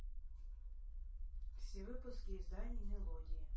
все выпуски изданий мелодии